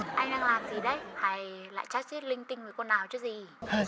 anh đang làm gì đấy hay lại chát chít linh tinh với cô nào chứ gì